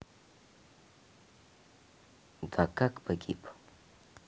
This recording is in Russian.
да как погиб